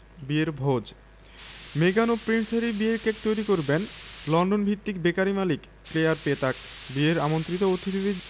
বিয়ের ভোজ মেগান ও প্রিন্স হ্যারির বিয়ের কেক তৈরি করবেন লন্ডনভিত্তিক বেকারি মালিক ক্লেয়ার পেতাক বিয়ের আমন্ত্রিত অতিথিদের